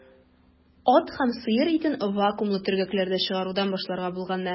Ат һәм сыер итен вакуумлы төргәкләрдә чыгарудан башларга булганнар.